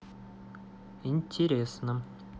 интересно